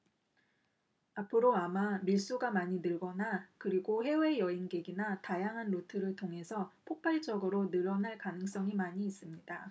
앞으로 아마 밀수가 많이 늘거나 그리고 해외 여행객이나 다양한 루트를 통해서 폭발적으로 늘어날 가능성이 많이 있습니다